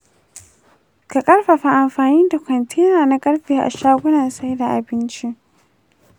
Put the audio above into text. ka karfafa amfani da kwantena na karfe a shagugan sai da abinci.